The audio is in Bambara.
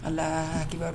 Ala kibaru